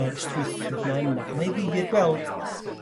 yr strwythur 'na yna. A mae ddifyr gweld